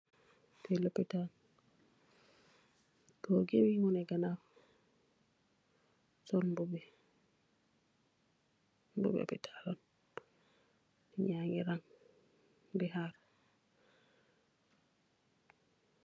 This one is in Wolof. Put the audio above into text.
Fi lopitan goor gi waneh kanaw sol mbubu mbubu lopitan nitt yagex rang di haar.